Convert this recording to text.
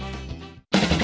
ạ